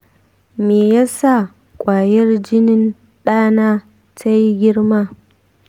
me ya sa ƙwayar jinin ɗana ta yi girma?